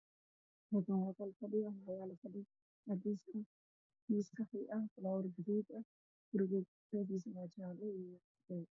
Halkaan waa qol fadhi waxaa yaal fadhi cadaah ah Miis qaxwi falaawar gaduud ah guriga darbiisa waa jaalle.